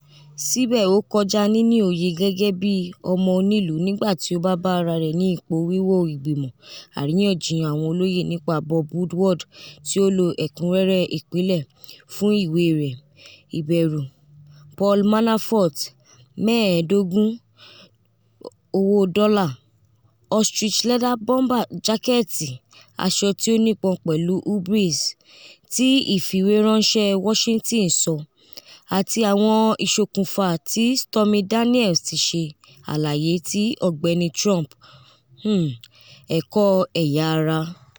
Sibẹ, o kọja nini oye gẹgẹbi ọmọ onilu nigba ti o ba ba ara rẹ ni ipo wiwo igbimọ ariyanjiyan awọn oloye nipa Bob Woodward ti o lo “ẹkunrẹrẹ ipinlẹ” fun iwe rẹ "Iberu," Paul Manafort $ 15.000 ostrich-leather bomber jaketi ("Aṣọ ti o nipọn pẹlu hubris," Ti Ifiweranṣẹ Washington sọ) ati awọn iṣokunfa ti Stormy Daniels ti ṣe alaye ti Ọgbẹni Trump, um, ẹkọ ẹya ara.